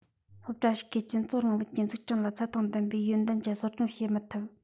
སློབ གྲྭ ཞིག གིས སྤྱི ཚོགས རིང ལུགས ཀྱི འཛུགས སྐྲུན ལ ཚད དང ལྡན པའི ཡོན ཏན ཅན གསོ སྐྱོང བྱེད མི ཐུབ